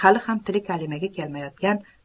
hali ham tili kalimaga kelmayotgan